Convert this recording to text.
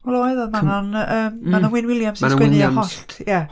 Wel oedd, oedd Manon, yym, Manon Wyn Wiliams 'di 'sgwennu 'Hollt', ia